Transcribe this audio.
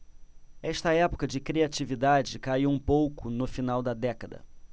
esta época de criatividade caiu um pouco no final da década